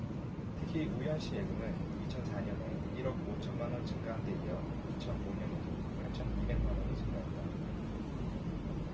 특히 우현씨 예금은 이천 사 년에 일 억 오천 만원 증가한데 이어 이천 오 년에도 팔천 이백 만원이 증가했다